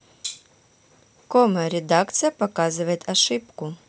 come редакция показывает ошибку